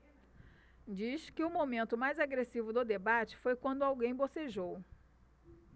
diz que o momento mais agressivo do debate foi quando alguém bocejou